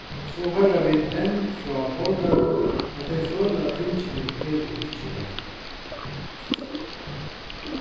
so hoyra vit enn frá borgarum at tey føla at tingini eru ikki røtt